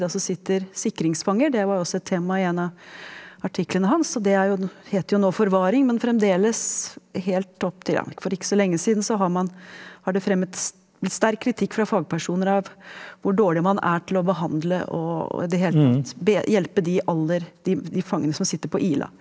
altså sitter sikringsfanger, det var jo også et tema i en av artiklene hans, og det er jo heter jo nå forvaring men fremdeles helt opp til ja for ikke så lenge siden så har man har det fremmet sterk kritikk fra fagpersoner av hvor dårlig man er til å behandle og i det hele tatt hjelpe de aller de de fangene som sitter på Ila.